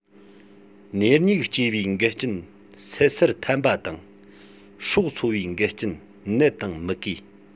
ནས མྱུག སྐྱེ བའི འགལ རྐྱེན སད སེར ཐན པ དང སྲོག འཚོ བའི འགལ རྐྱེན ནད དང མུ གེ